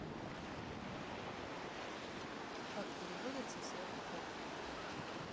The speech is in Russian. как переводится слово hold